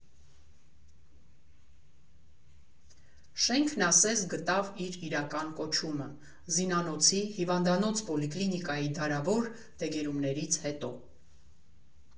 Շենքն ասես գտավ իր իրական կոչումը՝ զինանոցի, հիվանդանոց֊պոլիկլինիկայի դարավոր դեգերումներից հետո։